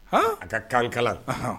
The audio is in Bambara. An A ka kan kalan, ɔnhɔn.